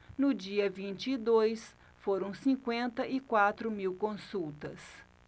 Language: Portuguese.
no dia vinte e dois foram cinquenta e quatro mil consultas